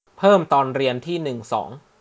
เพิ่มตอนเรียนที่หนึ่งสอง